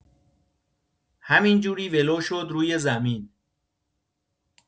همینجوری ولو شد روی زمین